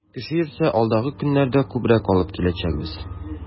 Кеше йөрсә, алдагы көннәрдә күбрәк алып киләчәкбез.